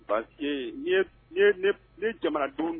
Parce que n'i ye n'i ye ne ne jamanadenw